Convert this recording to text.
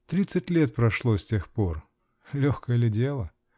Тридцать лет прошло с тех пор. Легкое ли дело!